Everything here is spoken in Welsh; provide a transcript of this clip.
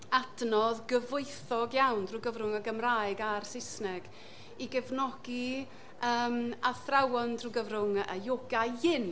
adnodd gyfoethog iawn drwy gyfrwng y Gymraeg a'r Saesneg i gefnogi yym athrawon drwy gyfrwng y ioga yin.